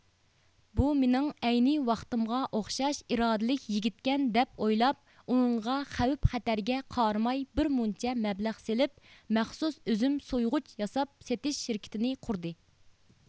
بۇ مېنىڭ ئەينى ۋاقتىمغا ئوخشاش ئىرادىلىك يىگىتكەن دەپ ئويلاپ ئۇنىڭغا خەۋپ خەتەرگە قارىماي بىر مۇنچە مەبلەغ سېلىپ مەخسۇس ئۈزۈم سويغۇچ ياساپ سېتىش شىركىتىنى قۇردى